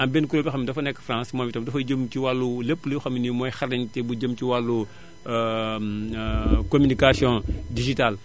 am benn kuréel boo xam ni dafa nekk France moom itam dafay jëm ci wàllu lépp looy xam ne nii mooy xarañte bu jëm ci wàllu communication digitale